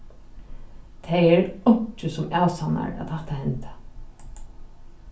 tað er einki sum avsannar at hatta hendi